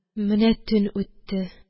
Менә төн үтте.